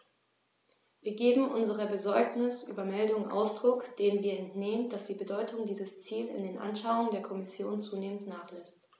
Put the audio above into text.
Wir geben unserer Besorgnis über Meldungen Ausdruck, denen wir entnehmen, dass die Bedeutung dieses Ziels in den Anschauungen der Kommission zunehmend nachlässt.